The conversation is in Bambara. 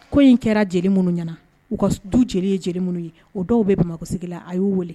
Ko in kɛra jeli minnu ɲɛna u ka du jeli ye jeli minnu ye o dɔw bɛ bamakɔsigi la a y'o weele